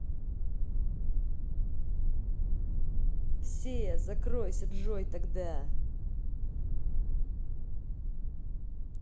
все закройся джой тогда